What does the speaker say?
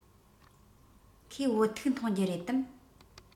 ཁོས བོད ཐུག འཐུང རྒྱུ རེད དམ